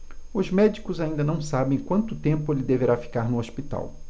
os médicos ainda não sabem quanto tempo ele deverá ficar no hospital